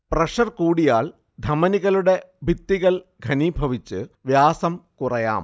pressure കൂടിയാൽ ധമനികളുടെ ഭിത്തികൾ ഘനീഭവിച്ചു വ്യാസം കുറയാം